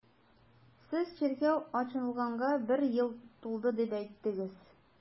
Сез чиркәү ачылганга бер ел тулды дип әйттегез.